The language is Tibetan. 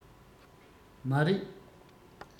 མ རེད